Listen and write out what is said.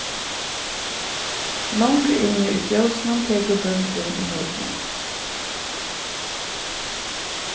longri inni í fjósinum tekur bóndin ímóti mær